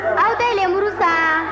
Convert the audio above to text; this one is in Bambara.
aw tɛ lenburu san